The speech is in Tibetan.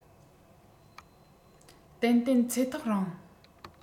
ཏན ཏན ཚེ ཐག རིང